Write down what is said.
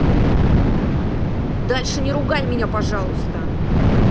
дальше не ругай меня пожалуйста